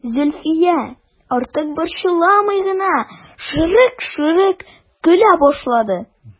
Зөлфия, артык борчылмый гына, шырык-шырык көлә башлады.